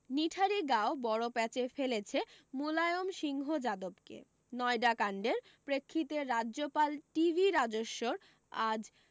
নিঠারী গাঁও বড় প্যাঁচে ফেলেছে মুলায়ম সিংহ যাদবকে নয়ডা কাণ্ডের প্রেক্ষিতে রাজ্যপাল টি ভি রাজেশ্বর আজ